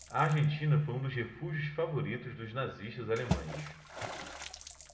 a argentina foi um dos refúgios favoritos dos nazistas alemães